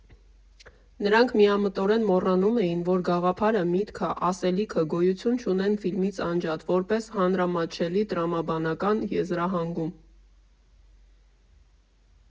Նրանք միամտորեն մոռանում են, որ գաղափարը, միտքը, ասելքիը գոյություն չունեն ֆիլմից անջատ, որպես հանրամատչելի տրամաբանական եզրահանգում։